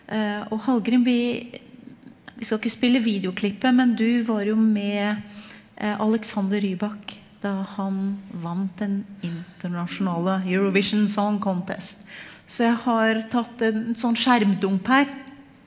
og Halgrim vi vi skal ikke spille videoklippet, men du var jo med Alexander Rybak da han vant den internasjonale Eurovision Song Contest så jeg har tatt en sånn skjermdump her.